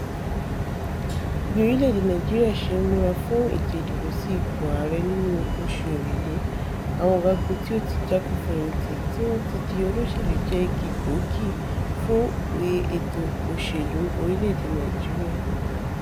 Bí orílẹ̀-èdè Nàìjíríà ṣe ń múra fún ètò ìdìbò sí ipò Ààrẹ nínú Oṣù Èrèlé, àwọn ọ̀gágun tí ó ti jagun fẹ̀yìntì tí wọn di olóṣèlú, jẹ́ igi gbòógì fún òye ètò òṣèlú orílẹ̀-èdè Nàìjíríà.